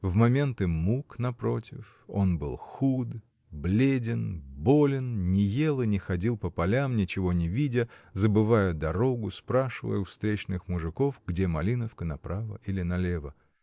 В моменты мук, напротив, он был худ, бледен, болен, не ел и ходил по полям, ничего не видя, забывая дорогу, спрашивая у встречных мужиков, где Малиновка, направо или налево?